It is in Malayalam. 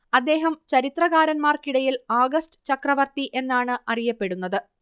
അദ്ദേഹം ചരിത്രകാരന്മാർക്കിടയിൽ ആഗസ്ത് ചക്രവർത്തി എന്നാണ് അറിയപ്പെടുന്നത്